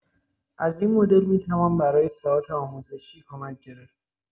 از این مدل می‌توان برای ساعات آموزشی کمک گرفت.